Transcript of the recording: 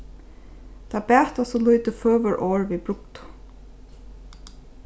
tað bata so lítið føgur orð við brugdu